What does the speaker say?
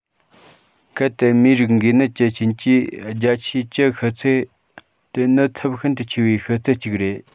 གལ ཏེ མིའི རིགས འགོས ནད ཀྱི རྐྱེན གྱིས བརྒྱ ཆའི བཅུ ཤི ཚེ དེ ནི ཚབས ཤིན ཏུ ཆེ བའི ཤི ཚད ཅིག རེད